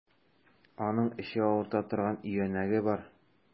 Аның эче авырта торган өянәге бар.